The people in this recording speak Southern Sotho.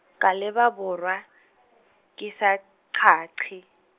ka leba Borwa, ke sa qeaqee.